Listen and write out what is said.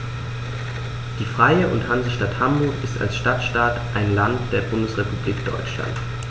Die Freie und Hansestadt Hamburg ist als Stadtstaat ein Land der Bundesrepublik Deutschland.